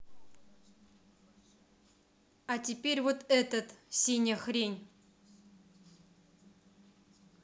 а теперь вот этот синяя хрень